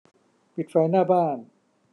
ปิดไฟหน้าบ้าน